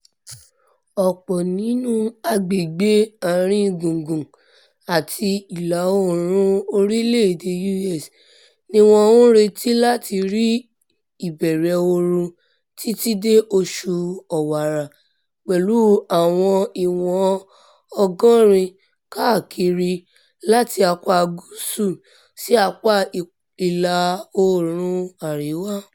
Ọ̀pọ̀ nínú agbègbè ààrin gungun àti ìlà-oòrùn orílẹ̀-èdè U.S. ní wọ́n ń retí láti rí ìbẹ̀rẹ̀ ooru títí dé oṣù Ọ̀wàrà pẹ̀lú àwọn ìwọ̀n ọgọ́rin káàkiri láti apá Gúúsù sí apá Ìlà-oòrùn Àríwá.